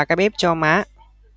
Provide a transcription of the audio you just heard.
cái bếp cho má